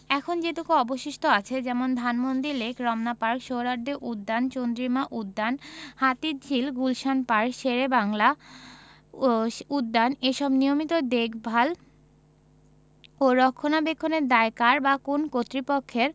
এখন যেটুকু অবশিষ্ট আছে যেমন ধানমন্ডি লেক রমনা পার্ক সোহ্রাওয়ার্দী উদ্যান চন্দ্রিমা উদ্যান হাতিরঝিল গুলশান পার্ক শেরেবাংলা ও উদ্যান এসব নিয়মিত দেখভাল ও রক্ষণাবেক্ষণের দায় কার বা কোন্ কর্তৃপক্ষের